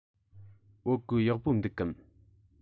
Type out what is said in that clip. བོད གོས ཡག པོ འདུག གམ